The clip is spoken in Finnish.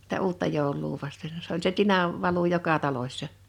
sitä uutta joulua vasten se oli se tinan valu joka talossa